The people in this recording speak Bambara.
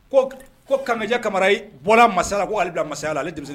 Ko ko Kamajan Kamara i bɔra masaya ko k'ale bila masaya la ale denmisɛnnin